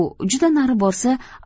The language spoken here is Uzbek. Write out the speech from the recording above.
juda nari borsa